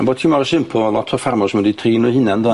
Am bo' ti mor simple o'dd lot o ffarmwrs medru trin n'w i hunain doddan?